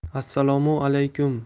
assalomu alaykum